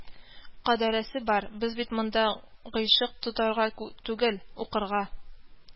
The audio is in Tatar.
Кадәресе бар, без бит монда гыйшыйк тотарга түгел, укырга